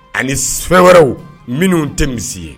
Ani fɛn wɛrɛw minnu tɛ misi ye